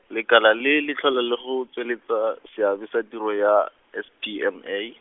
lekala le, le tlhola le go tsweletsa seabe sa tiro ya, S P M A.